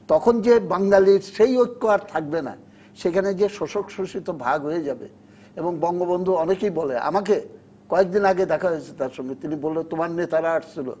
তখন যে বাঙালির সেই ঐক্য আর থাকবে না সেখানে যে শোষক শোষিত ভাগ হয়ে যাবে এবং বঙ্গবন্ধু অনেকেই বলে আমাকে কয়েকদিন আগে দেখা হয়েছে তার সঙ্গে তিনি বলল-তোমার নেতারা আসছিল